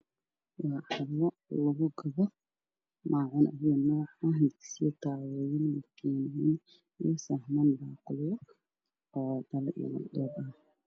Waa carruur lagu gado weelasha waxaa yaalo maacun waxaa ku sawiran boor oo ay ku sawiran yihiin weerar nooc walba oo badan